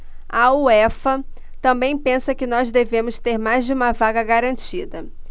a uefa também pensa que nós devemos ter mais uma vaga garantida